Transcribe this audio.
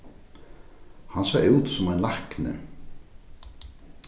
hann sá út sum ein lækni